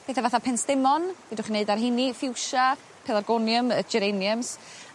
petha fatha penstemon fedrwch chi neud ar heini fuschia pelargonium yy geraniums